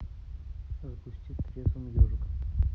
запусти трезвым ежик